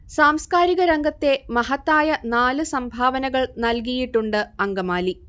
സാംസ്കാരിക രംഗത്തെ മഹത്തായ നാല് സംഭാവനകൾ നൽകിയിട്ടുണ്ട് അങ്കമാലി